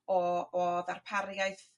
o o ddarpariaeth